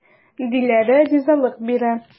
Диләрә ризалык бирә.